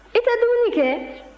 i tɛ dumuni kɛ